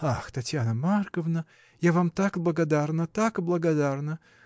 — Ах, Татьяна Марковна, я вам так благодарна, так благодарна!